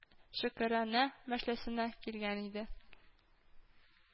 “шөкерана мәҗлесенә килгән иде